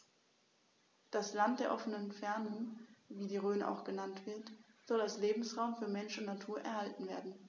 Das „Land der offenen Fernen“, wie die Rhön auch genannt wird, soll als Lebensraum für Mensch und Natur erhalten werden.